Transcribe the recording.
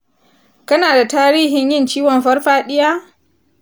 kanada tarihin yin ciwon farfadiya?